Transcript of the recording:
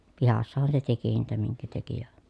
pihassahan se teki niitä minkä teki ja